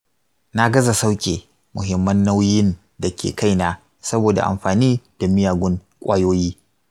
na gaza sauke muhimman nauyin da ke kaina saboda amfani da miyagun ƙwayoyi.